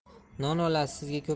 non olasiz sizga